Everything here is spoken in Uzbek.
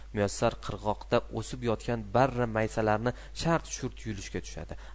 muyassar qirg'oqda o'sib yotgan barra maysalarni shart shurt yulishga tushadi